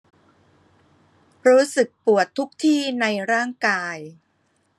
รู้สึกปวดทุกที่ในร่างกาย